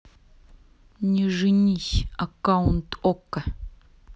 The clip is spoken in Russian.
не женись аккаунт okko